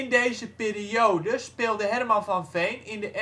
deze periode speelde Herman van Veen in de